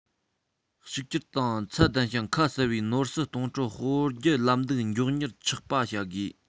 གཅིག གྱུར དང ཚད ལྡན ཞིང ཁ གསལ བའི ནོར སྲིད གཏོང སྤྲོད སྤོ སྒྱུར ལམ ལུགས མགྱོགས མྱུར ཆགས པ བྱ དགོས